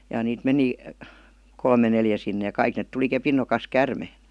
ja niitä meni kolme neljä sinne ja kaikki ne tuli kepin nokassa käärme